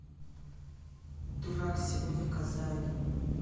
дурак сегодня в казани